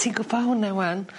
Ti gwbo hwnna 'wan.